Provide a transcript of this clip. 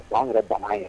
O an yɛrɛ ban yan